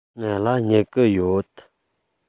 ང ལ སྨྱུ གུ ཡོད